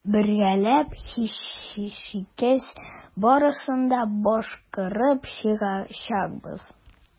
Бергәләп, һичшиксез, барысын да башкарып чыгачакбыз.